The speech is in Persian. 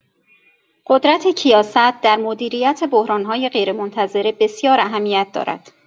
قدرت کیاست در مدیریت بحران‌های غیرمنتظره بسیار اهمیت دارد.